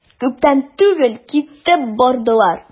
Күптән түгел китеп бардылар.